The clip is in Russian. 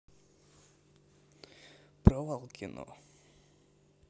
провал кино